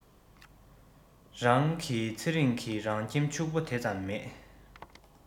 རང གི ཚེ རིང གི རང ཁྱིམ ཕྱུག པོ དེ ཙམ མེད